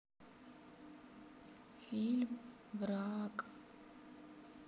фильм враг